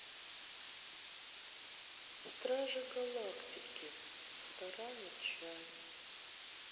стражи галактики вторая часть